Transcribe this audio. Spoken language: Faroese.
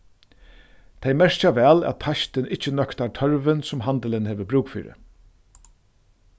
tey merkja væl at teistin ikki nøktar tørvin sum handilin hevur brúk fyri